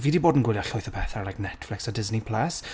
Fi 'di bod yn gwylio llwyth o pethe like Netflix a Disney Plus.